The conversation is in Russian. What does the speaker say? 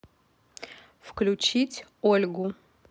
включить ольгу